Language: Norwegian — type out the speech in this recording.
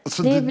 så det.